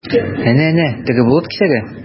Әнә-әнә, теге болыт кисәге?